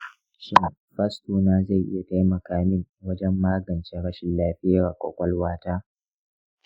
shin fastona zai iya taimaka min wajen magance rashin lafiyar ƙwaƙwalwata?